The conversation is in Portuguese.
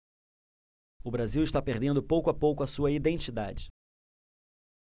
o brasil está perdendo pouco a pouco a sua identidade